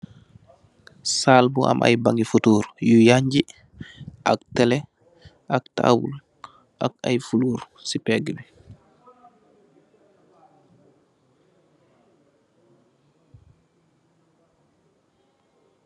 Saal bu am aye bangi fotoor yu yangi, ak tele, ak table, ak aye fuloor si pegh bi.